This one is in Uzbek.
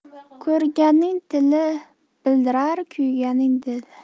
ko'rganning till bildirar kuyganning dili